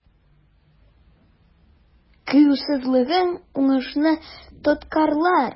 Кыюсызлыгың уңышны тоткарлар.